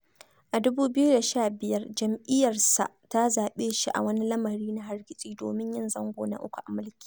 A 2015, jam'iyyarsa ta zaɓe shi a wani lamari na hargitsi domin yin zango na uku a mulki.